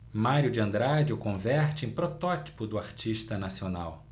mário de andrade o converte em protótipo do artista nacional